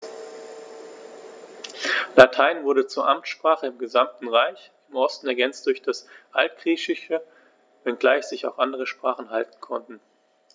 Latein wurde zur Amtssprache im gesamten Reich (im Osten ergänzt durch das Altgriechische), wenngleich sich auch andere Sprachen halten konnten.